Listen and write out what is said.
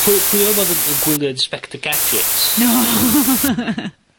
pw- pwy odd o'n yngwylio Inspector Gadget?